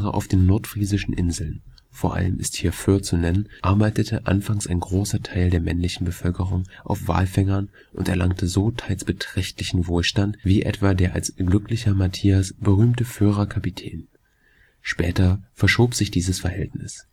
auf den nordfriesischen Inseln, vor allem ist hier Föhr zu nennen, arbeitete anfangs ein großer Teil der männlichen Bevölkerung auf Walfängern und erlangte so teils beträchtlichen Wohlstand, wie etwa der als „ Glücklicher Matthias “berühmte Föhrer Kapitän. Später verschob sich dieses Verhältnis